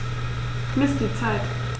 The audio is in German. Miss die Zeit.